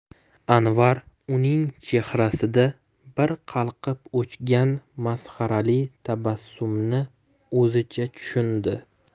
anvar uning chehrasida bir qalqib o'chgan masxarali tabassumni o'zicha tushundi